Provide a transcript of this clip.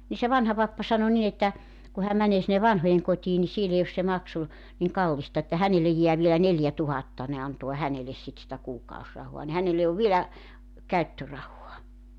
niin se vanha pappa sanoi niin että kun hän menee sinne vanhojenkotiin niin siellä ei ole se maksu niin kallista että hänelle jää vielä neljätuhatta ne antaa hänelle sitten sitä kuukausirahaa niin hänelle on vielä käyttörahaa